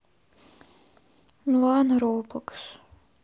милана роблокс